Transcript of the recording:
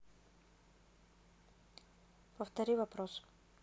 повтори вопрос